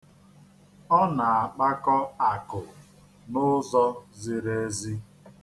Ọ na-akpakọ akụ n'ụzọ ziri ezi.